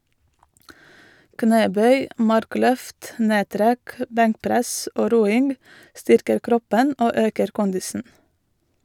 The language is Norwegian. Knebøy, markløft, nedtrekk, benkpress og roing styrker kroppen og øker kondisen.